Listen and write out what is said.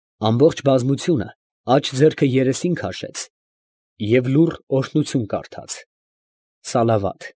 Ամբողջ բազմությունը աջ ձեռքը երեսին քաշեց և լուռ օրհնություն կարդաց (սալավաթ)։